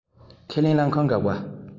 ཁས ལེན རླངས འཁོར འགག པ